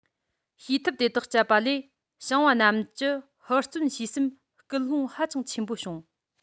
བྱེད ཐབས དེ དག སྤྱད པ ལས ཞིང པ རྣམས ཀྱི ཧུར བརྩོན བྱེད སེམས སྐུལ སློང ཧ ཅང ཆེན པོ བྱུང